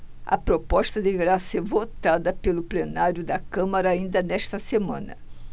a proposta deverá ser votada pelo plenário da câmara ainda nesta semana